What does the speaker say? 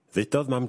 Ddeudodd mam...